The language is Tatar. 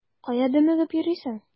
Кая дөмегеп йөрисең?